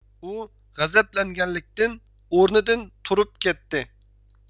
ئۇ غەزەپلەنگەنلىكتىن ئورنىدىن تۇرۇپ كەتتى